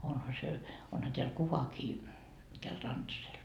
onhan se onhan täällä kuvakin tällä Rantasella